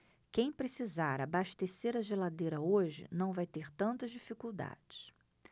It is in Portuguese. quem precisar abastecer a geladeira hoje não vai ter tantas dificuldades